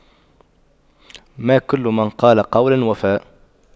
ما كل من قال قولا وفى